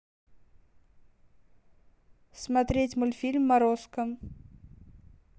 смотреть мультфильм морозко